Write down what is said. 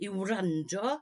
i wrando